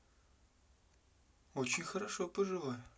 очень хорошо поживаю